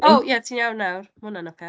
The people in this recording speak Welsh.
O ie, ti'n iawn nawr. Ma' hwnna'n ocê.